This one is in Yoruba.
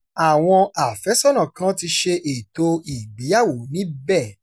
Àwọn àfẹ́sọ́nà kan ti ṣe ètò ìgbéyàwó níbé.